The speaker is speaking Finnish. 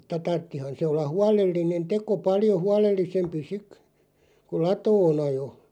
mutta tarvitsihan se olla huolellinen teko paljon huolellisempi sitten kun latoon ajoi